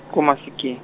ko Mafikeng.